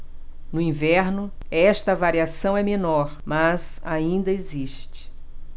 no inverno esta variação é menor mas ainda existe